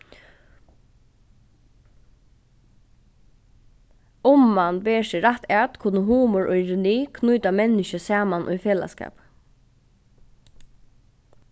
um mann ber seg rætt at kunnu humor og ironi knýta menniskju saman í felagsskap